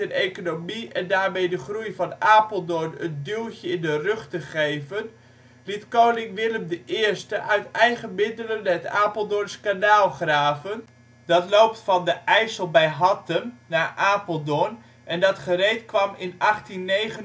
economie en daarmee de groei van Apeldoorn een duwtje in de rug te geven, liet koning Willem I uit eigen middelen het Apeldoorns kanaal graven, dat loopt van de IJssel bij Hattem naar Apeldoorn en dat gereed kwam in 1829